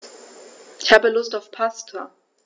Ich habe Lust auf Pasta.